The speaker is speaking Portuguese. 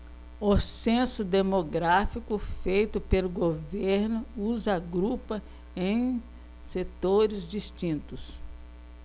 o censo demográfico feito pelo governo os agrupa em setores distintos